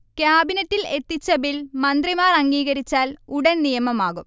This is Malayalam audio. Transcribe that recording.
ക്യാബിനറ്റിൽ എത്തിച്ച ബിൽ മന്ത്രിമാർ അംഗീകരിച്ചാൽ ഉടൻ നിയമമാകും